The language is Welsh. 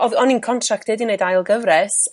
o'dd oni'n contracted i 'neud ail gyfres